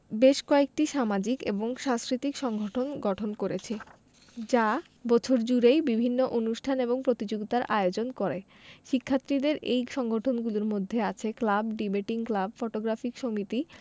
বেশ কয়েকটি সামাজিক এবং সাংস্কৃতিক সংগঠন গঠন করেছে যা বছর জুড়েই বিভিন্ন অনুষ্ঠান এবং প্রতিযোগিতার আয়োজন করে শিক্ষার্থীদের এই সংগঠনগুলির মধ্যে আছে ক্লাব ডিবেটিং ক্লাব ফটোগ্রাফিক সমিতি